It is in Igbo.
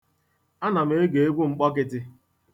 Ana m ege egwu Mkpọkịtị.